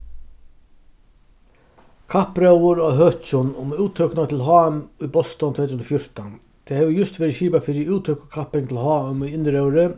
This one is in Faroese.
kappróður á høkjum um úttøkuna til hm í boston tvey túsund og fjúrtan tað hevur júst verið skipað fyri úttøkukapping til hm í inniróðri